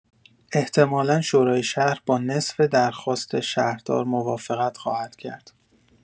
احتمالا شورای شهر با نصف درخواست شهردار موافقت خواهد کرد!